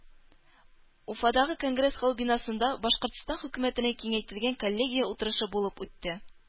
Уфадагы Конгресс-холл бинасында Башкортстан хөкүмәтенең киңәйтелгән коллегия утырышы булып үтте